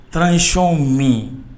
Transition min